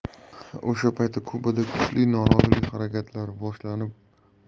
o'sha paytda kubada kuchli norozilik harakatlari boshlanib